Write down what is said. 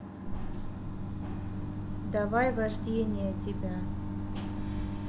давай вождения тебя